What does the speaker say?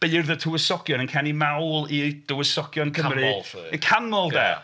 Beirdd y tywysogion yn canu mawl i dywysogion Cymru... Canmol 'lly? ...yn canmol de... ia.